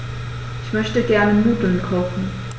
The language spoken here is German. Ich möchte gerne Nudeln kochen.